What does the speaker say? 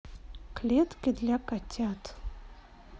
клетки для котят